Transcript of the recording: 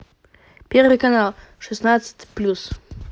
первый канал шестьдесят плюс